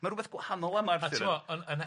Ma' rwbeth gwahanol yma a t'mo' yn yn e-